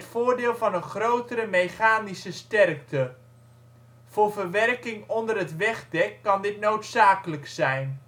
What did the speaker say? voordeel van een grotere mechanische sterkte. Voor verwerking onder het wegdek kan dit noodzakelijk zijn